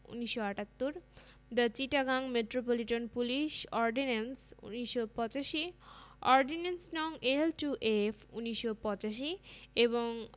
১৯৭৮ the Chittagong metropolitan police ordinance ১৯৮৫ ordinance. নং. L two of ১৯৮৫ এবং